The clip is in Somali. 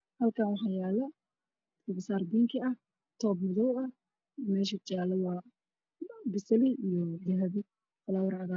Halkaan waxaa yaalo garbo saar binki eh toob madow ah meesha jaalla waa basali iyo dahabi falaawar cagaaran.